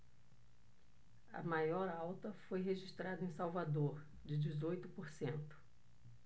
a maior alta foi registrada em salvador de dezoito por cento